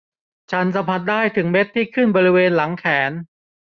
ฉันสัมผัสได้ถึงเม็ดที่ขึ้นบริเวณหลังแขน